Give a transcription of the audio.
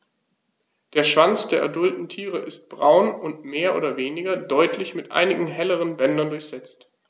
Der Schwanz der adulten Tiere ist braun und mehr oder weniger deutlich mit einigen helleren Bändern durchsetzt.